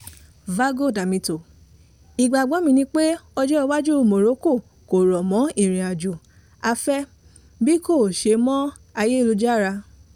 [Vago Damitio:] Ìgbàgbọ́ mi ni pé ọjọ́-iwájú Morocco kò rọ̀ mọ́ ìrìn-àjò afẹ́ bí kò ṣe mọ́ ayélujára.